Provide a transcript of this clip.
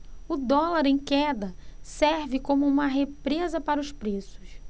o dólar em queda serve como uma represa para os preços